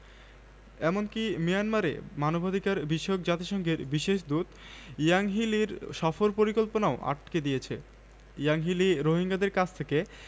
এমনকি মিয়ানমারে মানবাধিকারবিষয়ক জাতিসংঘের বিশেষ দূত ইয়াংহি লির সফর পরিকল্পনাও আটকে দিয়েছে ইয়াংহি লি রোহিঙ্গাদের কাছ থেকে